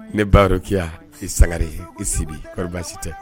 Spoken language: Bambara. Ne barokiya i sangare ye i siɔri baasi tɛ